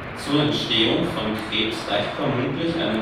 Zur Entstehung von Krebs reicht vermutlich eine